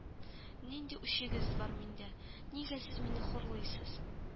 - нинди үчегез бар миндә, нигә сез мине хурлыйсыз